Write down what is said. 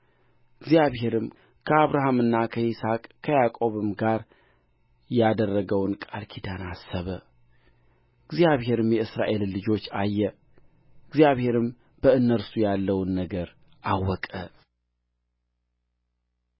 እግዚአብሔርም ከአብርሃምና ከይስሐቅ ከያዕቆብም ጋር ያደረገውን ቃል ኪዳን አሰበ እግዚአብሔርም የእስራኤልን ልጆች አየ እግዚአብሔርም በእነርሱ ያለውን ነገር አወቀ